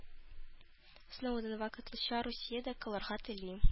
Сноуден вакытлыча Русиядә калырга тели